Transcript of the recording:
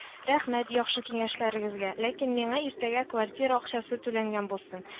- рәхмәт яхшы киңәшегезгә, ләкин миңа иртәгә квартира акчасы түләнгән булсын